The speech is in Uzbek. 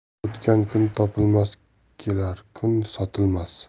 o'tgan kun topilmas kelar kun sotilmas